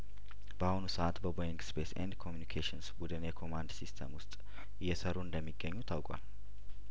በአሁኑ ሰአት በቦይንግ ስፔስ ኤንድ ኮሚዩኒኬሽንስ ቡድን የኮማንድ ሲስተም ውስጥ እየሰሩ እንደሚገኙ ታውቋል